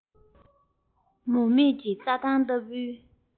མུ མེད ཀྱི རྩྭ ཐང ལྟ བུའི